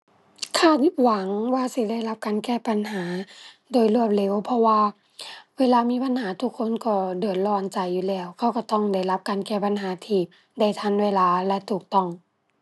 คาด วิ หวัง ว่าสิได้รับการแก้ปัญหาโดยรวดเร็วเพราะว่า เวลามีปัญหาทุกคนก็เดือดร้อนใจอยู่แล้ว เขาก็ต้องได้รับการแก้ปัญหาที่ได้ทันเวลาและถูกต้อง